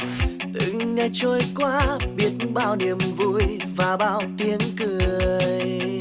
từng ngày trôi qua biết bao niềm vui và bao tiếng cười